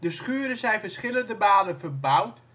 schuren zijn verschillende malen verbouwd